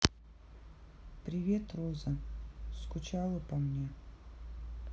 привет роза скучала по мне